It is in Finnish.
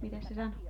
mitäs se sanoi